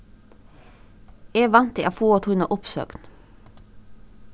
eg vænti at fáa tína uppsøgn